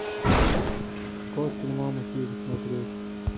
кот в прямом эфире смотреть